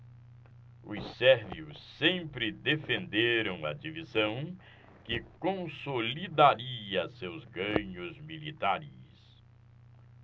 os sérvios sempre defenderam a divisão que consolidaria seus ganhos militares